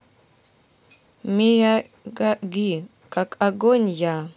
miyagi как огонь я